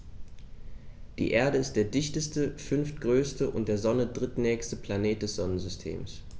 Die Erde ist der dichteste, fünftgrößte und der Sonne drittnächste Planet des Sonnensystems.